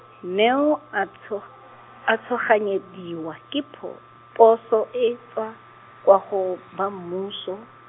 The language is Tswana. Neo a tshog- a tshoganyediwa ke po-, poso e tswa kwa go ba mmuso.